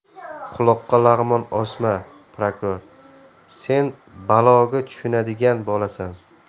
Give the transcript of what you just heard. quloqqa lag'mon osma prokuror sen baloga tushunadigan bolasan